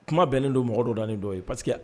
Kuma bɛnnen don mɔgɔ dɔnen dɔ ye pariseke